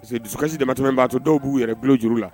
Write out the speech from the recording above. Dusukasi de tɛmɛn b'atɔ dɔw b'u yɛrɛ bulon juru la